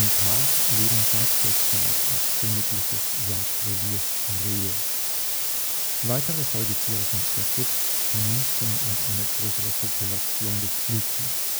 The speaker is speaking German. Park leben seit der Zeit als königliches Jagdrevier Rehe. Weitere Säugetiere sind der Fuchs, Kaninchen und eine größere Population des Iltis